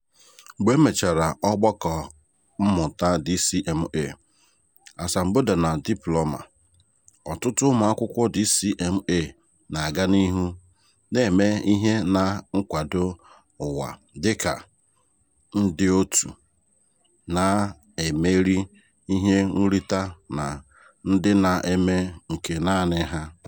Mgbe emechara ọgbakọ mmụta DCMA, asambodo na dipulọma, ọtụtụ ụmụakwụkwọ DCMA na-aga n'ihu na-eme ihe na nkwago ụwa dịka ndị otu na-emeri ihe nrite na ndị na-eme nke naanị ha.